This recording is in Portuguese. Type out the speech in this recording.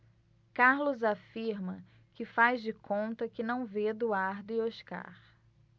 carlos afirma que faz de conta que não vê eduardo e oscar